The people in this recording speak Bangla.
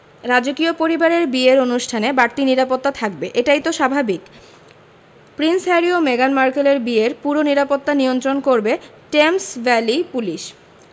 রাজপরিবারের বিয়ের অনুষ্ঠানে বাড়তি নিরাপত্তা থাকবে এটাই তো স্বাভাবিক প্রিন্স হ্যারি ও মেগান মার্কেলের বিয়ের পুরো নিরাপত্তা নিয়ন্ত্রণ করবে টেমস ভ্যালি পুলিশ